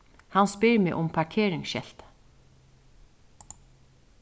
hann spyr meg um parkeringsskeltið